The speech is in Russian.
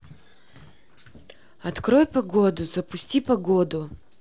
открой погоду запусти погоду